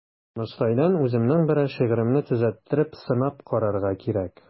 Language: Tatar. Мостайдан үземнең берәр шигыремне төзәттереп сынап карарга кирәк.